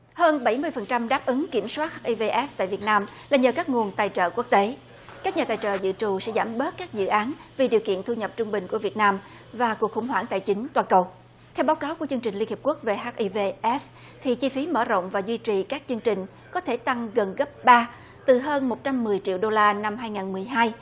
hơn bảy mươi phần trăm đáp ứng kiểm soát hắt y vê ết sờ tại việt nam là nhờ các nguồn tài trợ quốc tế các nhà tài trợ dự trù sẽ giảm bớt các dự án vì điều kiện thu nhập trung bình của việt nam và cuộc khủng hoảng tài chính toàn cầu theo báo cáo của chương trình liên hiệp quốc về hắt y vê ết sờ thì chi phí mở rộng và duy trì các chương trình có thể tăng gần gấp ba từ hơn một trăm mười triệu đô la năm hai nghìn mười hai